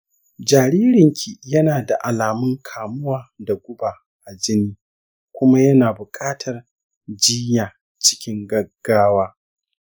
jaririnki yana da alamun kamuwa da guba a jini kuma yana buƙatar jiyya cikin gaggawa